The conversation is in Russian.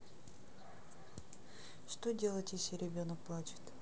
что делать если ребенок плачет